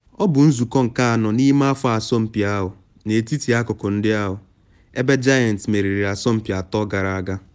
Ọ bụ nzụkọ nke anọ n’ime afọ asọmpi ahụ n’etiti akụkụ ndị ahụ, ebe Giants meriri asọmpi atọ gara aga.